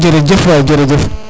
jerejef waay jerejef